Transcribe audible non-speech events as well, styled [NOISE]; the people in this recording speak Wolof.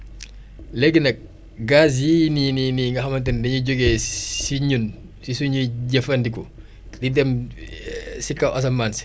[SMACKS LIPS] léegi nag gaz yii nii nii nii nga xamante ni dañuy jugee si ñun si suñuy jëfandiku di dem [HESITATION] si kaw asamaan si